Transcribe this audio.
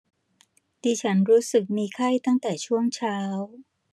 ดิฉันรู้สึกมีไข้ตั้งแต่ช่วงเช้า